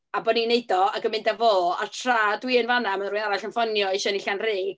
A bo' ni'n wneud o, ac yn mynd â fo, a tra dwi yn fan'na ma' 'na rywun arall yn ffonio isio un i Llanrug.